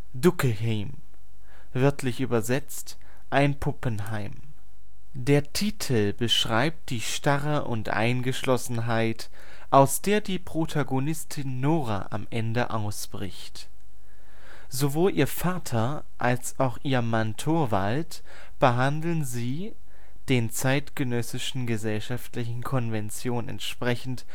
dukkehjem (wörtlich übersetzt: Ein Puppenheim). Der Titel beschreibt die Starre und Eingeschlossenheit, aus der die Protagonistin Nora am Ende ausbricht. Sowohl ihr Vater als auch ihr Mann Torvald behandeln sie, den zeitgenössischen gesellschaftlichen Konventionen entsprechend